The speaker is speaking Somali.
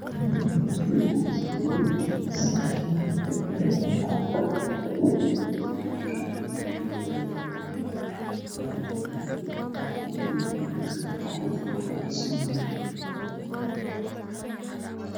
Waa dahabin ah oo fara badan oo gacan la gashan karo oo midabkiis yahay jaalo